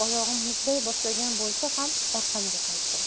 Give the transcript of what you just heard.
oyog'im muzlay boshlagan bo'lsa ham orqaga qaytdim